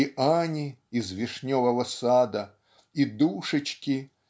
и Ани из "Вишневого сада" и Душечки